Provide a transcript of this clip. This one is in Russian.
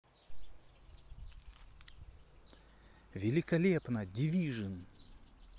великолепно division